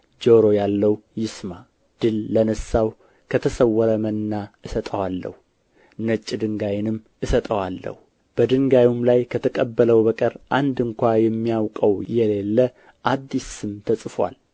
ጆሮ ያለው ይስማ ድል ለነሣው ከተሰወረ መና እሰጠዋለሁ ነጭ ድንጋይንም እሰጠዋለሁ በድንጋዩም ላይ ከተቀበለው በቀር አንድ ስንኳ የሚያውቀው የሌለ አዲስ ስም ተጽፎአል